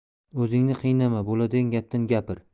o'zingni qiynama bo'ladigan gapdan gapir